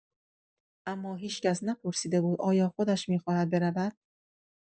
اما هیچ‌کس نپرسیده بود آیا خودش می‌خواهد برود؟